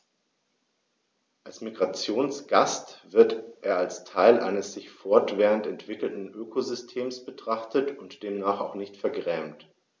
Als Migrationsgast wird er als Teil eines sich fortwährend entwickelnden Ökosystems betrachtet und demnach auch nicht vergrämt.